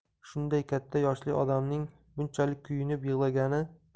shunday katta yoshli odamning bunchalik kuyunib yig'lagani